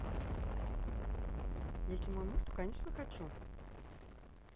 если мой муж то конечно хочу